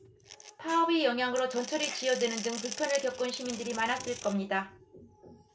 파업의 영향으로 전철이 지연되는 등 불편을 겪은 시민들이 많았을 겁니다